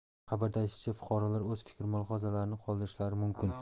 xabarda aytilishicha fuqarolar o'z fikr va mulohazalarini qoldirishlari mumkin